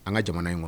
An ka jamana in kɔnɔ